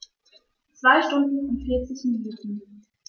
2 Stunden und 40 Minuten